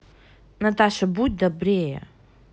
наташа будь добрее